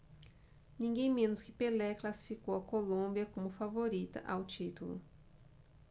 ninguém menos que pelé classificou a colômbia como favorita ao título